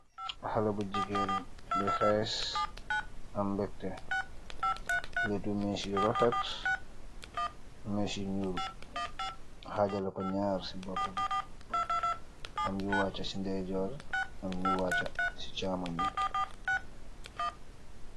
Haleh bu jigeen bu hess, am beugteh leetoo. mess yu rafet, mess yu nyul, haje Leko nyarr si bopobi. Am yu wacha chi ndeyjoor, am yu wacha chi chamong bi.